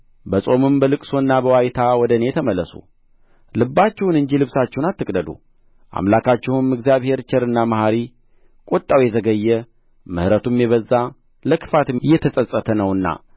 በጾምም በልቅሶና በዋይታ ወደ እኔ ተመለሱ ልባችሁን እንጂ ልብሳችሁን አትቅደዱ አምላካችሁም እግዚአብሔር ቸርና መሐሪ ቁጣው የዘገየ ምሕረቱም የበዛ ለክፋትም የተጸጸተ ነውና